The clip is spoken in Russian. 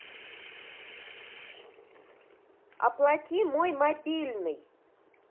оплати мой мобильный